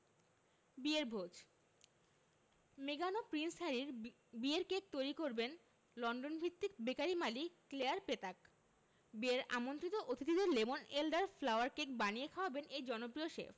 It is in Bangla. বিয়ের ভোজ মেগান ও প্রিন্স হ্যারির বিয়ের কেক তৈরি করবেন লন্ডনভিত্তিক বেকারি মালিক ক্লেয়ার পেতাক বিয়ের আমন্ত্রিত অতিথিদের লেমন এলডার ফ্লাওয়ার কেক বানিয়ে খাওয়াবেন এই জনপ্রিয় শেফ